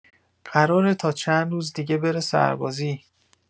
قراره تا چند روز دیگه بره سربازی